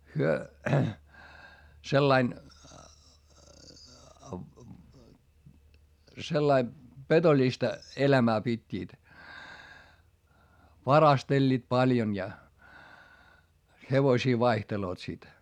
he sillä lailla sillä lailla petollista elämää pitivät varastelivat paljon ja hevosia vaihtelevat sitten